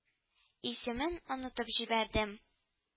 Исемен онытып җибәрдем…